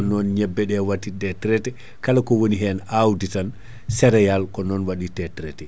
ko non ñebbe ɗe waɗirte traité kala ko woni hen awdi tan céréal ko non waɗirte traité